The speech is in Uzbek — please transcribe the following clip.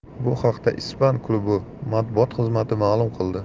bu haqda ispan klubi matbuot xizmati ma'lum qildi